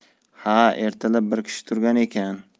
ha ertalab bir kishi turgan ekan